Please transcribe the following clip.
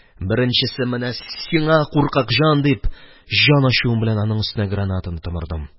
– беренчесе менә сиңа, куркак җан! – дип, җан ачуым белән аның өстенә гранатаны томырдым.